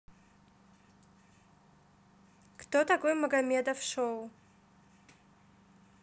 кто такой магомедов шоу